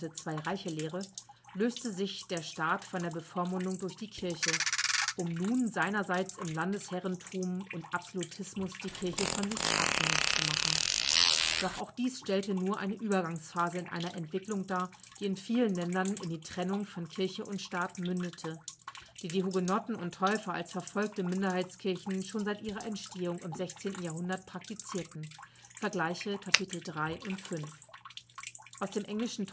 Zwei-Reiche-Lehre) löste sich der Staat von der Bevormundung durch die Kirche, um nun seinerseits im Landesherrentum und Absolutismus die Kirche von sich abhängig zu machen. Doch auch dies stellte nur eine Übergangsphase in einer Entwicklung dar, die in vielen Ländern in die Trennung von Kirche und Staat mündete, die die Hugenotten und Täufer als verfolgte Minderheitskirchen schon seit ihrer Entstehung im 16. Jahrhundert praktizierten (vgl. Abschnitte 3 und 5). Aus dem englischen